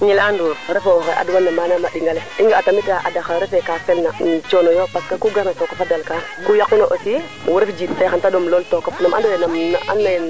kene projet yo mana i njalta Dominick Sene i njalta Bikol i ten jangnu in kane bo i mbagin yit i sikiran no dara yaam a soɓa in o mbiño ɗomu nda a jega no ɗomu